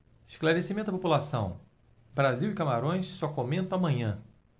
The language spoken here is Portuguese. esclarecimento à população brasil e camarões só comento amanhã